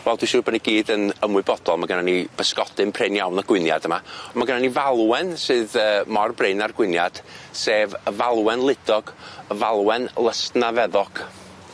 Wel dwi siŵr bo' ni gyd yn ymwybodol ma' gynno ni bysgodyn prin iawn y gwyniad yma on' ma' gynno ni falwen sydd yy mor brin â'r gwyniad sef y falwen ludog y falwen lysnafeddog.